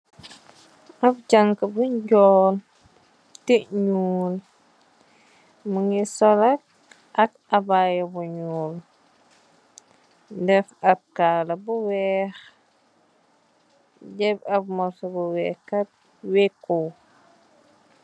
Ab janha bu njol teh nuul muge solek ak abaya bu nuul def ab kala bu weex def ab mursu bu weex weku.